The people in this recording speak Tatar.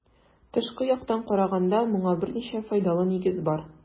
Тышкы яктан караганда моңа берничә файдалы нигез бар.